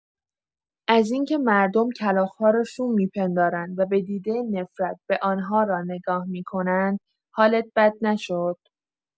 از این‌که مردم کلاغ‌ها را شوم می‌پندارند و به دیده نفرت به آن‌ها را نگاه می‌کنند، حالت بد نشد؟